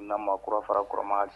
Namakɔrɔ fara kurama